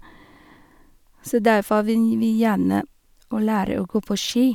Så derfor vil vi gjerne å lære å gå på ski.